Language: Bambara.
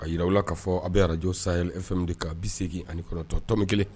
AK'a jira aw la k'a fɔ aw bɛ radio sahel IFM de kan ka 89.1